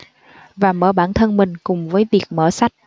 và mở bản thân mình cùng với việc mở sách